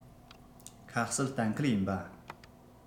ཁ གསལ གཏན འཁེལ ཡིན པ